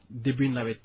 début nawet